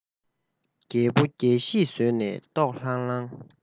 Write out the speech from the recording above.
རྒྱལ པོ རྒྱལ གཞིས ཟོས ནས ལྟོགས ལྷང ལྷང